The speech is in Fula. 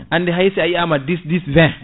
hande hay sa yi ama dix dix vingt